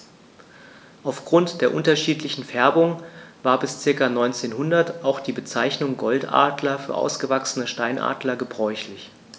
Auf Grund der unterschiedlichen Färbung war bis ca. 1900 auch die Bezeichnung Goldadler für ausgewachsene Steinadler gebräuchlich.